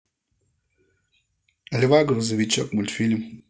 лева грузовичок мультфильм